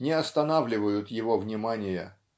не останавливают его внимания.